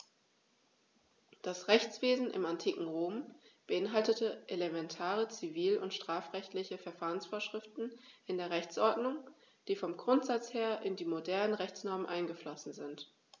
Das Rechtswesen im antiken Rom beinhaltete elementare zivil- und strafrechtliche Verfahrensvorschriften in der Rechtsordnung, die vom Grundsatz her in die modernen Rechtsnormen eingeflossen sind.